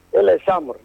Yala ye sa amadu